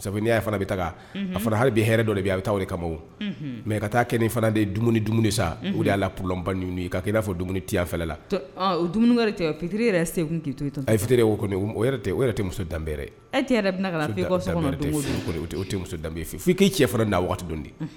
Sabu n' y'a fana bɛ taa a fara hali bɛ hɛrɛ dɔ de a bɛ taa kama mɛ ka taa kɛ ni fana de ye dumuni dumuni sa o de y' la pba ɲini i k'a i'a fɔ dumuni tiya la dumuni fitiri yɛrɛ segu fitiri o o o yɛrɛ tɛ dan e tɛ tɛ dabe fɛ f' i k'e cɛrin na waatidon di